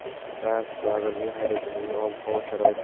transport vazirligi haydovchilarga ob havo sharoiti